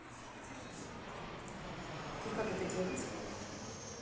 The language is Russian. и как это делать